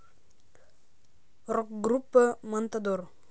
рок группа мандатор